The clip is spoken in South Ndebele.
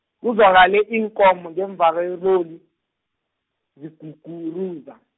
kuzwakale iinkomo ngemva kwelori, ziguguruza.